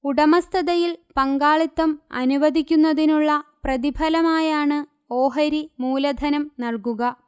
ഉടമസ്ഥതയിൽ പങ്കാളിത്തം അനുവദിക്കുന്നതിനുള്ള പ്രതിഫലമായാണ് ഓഹരി മൂലധനം നൽകുക